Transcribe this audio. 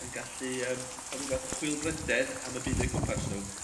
yn gallu yym ca'l rhyw fath o chwilfrydedd am y byd o'u cwmpas nhw.